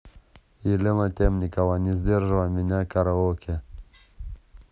елена темникова не сдерживай меня караоке